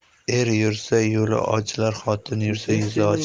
er yursa yo'li ochilar xotin yursa yuzi ochilar